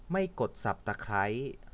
ไม่กดสับตะไคร้